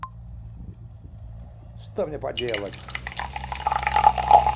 что мне поделать